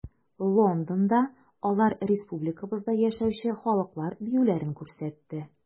Лондонда алар республикабызда яшәүче халыклар биюләрен күрсәтте.